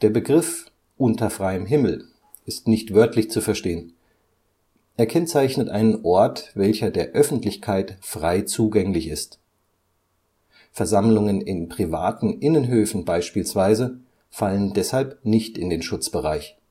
Begriff unter freiem Himmel ist nicht wörtlich zu verstehen. Er kennzeichnet einen Ort, welcher der Öffentlichkeit frei zugänglich ist. Versammlungen in privaten Innenhöfen beispielsweise fallen deshalb nicht in den Schutzbereich